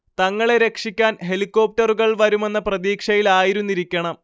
തങ്ങളെ രക്ഷിക്കാൻ ഹെലികോപ്റ്ററുകൾ വരുമെന്ന പ്രതീക്ഷയിലായിരുന്നിരിക്കണം